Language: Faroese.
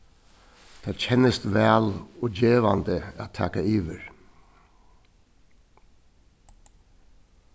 tað kennist væl og gevandi at taka yvir